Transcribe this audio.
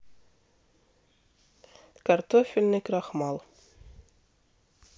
картофельный крахмал